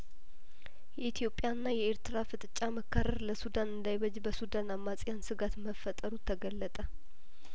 የኢትዮጵያ ና የኤርትራ ፍጥጫ መካረር ለሱዳን እንዳይበጅ በሱዳን አማጺያን ስጋት መፈጠሩ ተገለጠ